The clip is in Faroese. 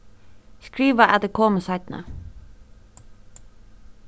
skriva at eg komi seinni